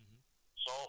voilà traitement